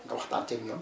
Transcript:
nga waxtaan ceeg ñoom